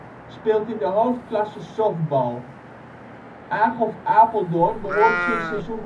speelt in de Hoofdklasse Softbal. AGOVV Apeldoorn behoort sinds